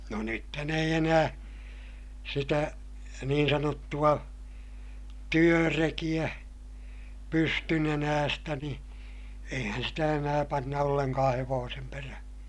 no nythän ei enää sitä niin sanottua työrekeä pystynenäistä niin eihän sitä enää panna ollenkaan hevosen perään